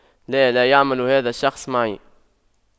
لا لا يعمل هذا الشخص معي